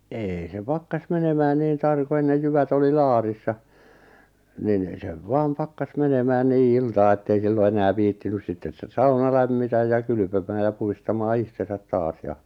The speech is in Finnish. ei se pakkasi menemään niin tarkoin ennen jyvät oli laarissa niin sen vain pakkasi menemään niin iltaan että ei silloin enää viitsinyt sitten sauna lämmitä ja kylpemään ja puhdistamaan itsensä taas ja